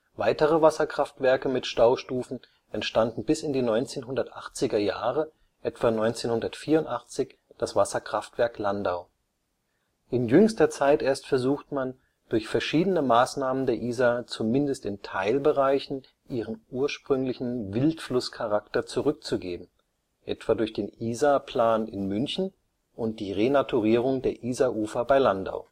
Weitere Wasserkraftwerke mit Staustufen entstanden bis in die 1980er Jahre, etwa 1984 das Wasserkraftwerk Landau. In jüngster Zeit erst versucht ḿan, durch verschiedene Maßnahmen der Isar zumindest in Teilbereichen ihren ursprünglichen Wildflusscharakter zurückzugeben, etwa durch den Isar-Plan in München und die Renaturierung der Isarufer bei Landau